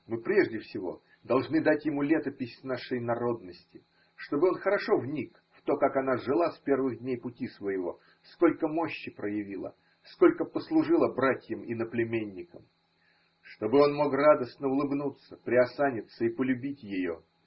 Мы прежде всего должны дать ему летопись нашей народности, чтобы он хорошо вник в то, как она жила с первых дней пути своего, сколько мощи проявила, сколько послужила братьям-иноплеменникам: чтобы он мог радостно улыбнуться, приосаниться и полюбить ее.